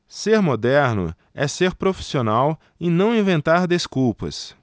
ser moderno é ser profissional e não inventar desculpas